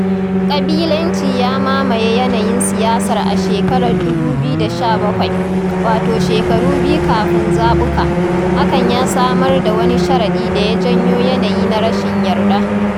ƙabilanci ya mamaye yanayin siyasar a shekarar 2017, wato shekaru biyu kafin zaɓuka, hakan ya samar da wani sharaɗi da ya janyo yanayi na rashin yarda.